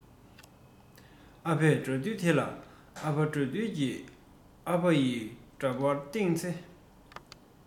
ཨ ཕ དགྲ འདུལ དེ ན ཨ ཕ དགྲ འདུལ གྱི ཨ ཕ ཡི འདྲ པར སྟེང ཚེ